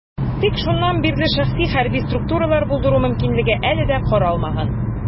Тик шуннан бирле шәхси хәрби структуралар булдыру мөмкинлеге әле дә каралмаган.